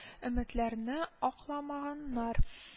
Өметләрне акламаганар